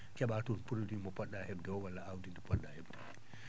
ke?atoon produit mo po??a heɓde o walla aawdi ndi po??a heɓde